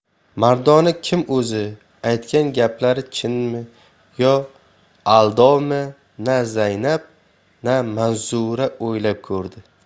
mardona kim o'zi aytgan gaplari chinmi yo aldovmi na zaynab na manzura o'ylab ko'rdi